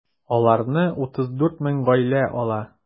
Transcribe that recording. Аларны 34 мең гаилә ала.